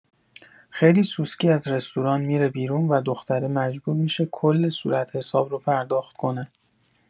خیلی سوسکی از رستوران می‌ره بیرون و دختره مجبور می‌شه کل صورتحساب رو پرداخت کنه!